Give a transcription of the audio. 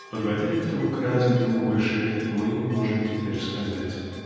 Подводя итог развитому выше, мы можем теперь сказать